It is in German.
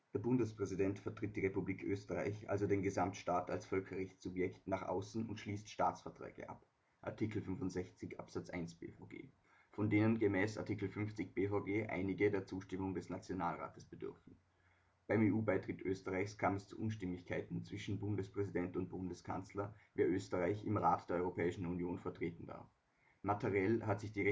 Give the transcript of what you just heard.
Bundespräsident vertritt die Republik Österreich – also den Gesamtstaat als Völkerrechtssubjekt – nach außen und schließt Staatsverträge ab (Art 65 Abs 1 B-VG), von denen gemäß Art. 50 B-VG einige der Zustimmung des Nationalrates bedürfen. Beim EU-Beitritt Österreichs kam es zu Unstimmigkeiten zwischen Bundespräsident und Bundeskanzler, wer Österreich im Rat der Europäischen Union vertreten darf. Materiell hat sich die Rechtsansicht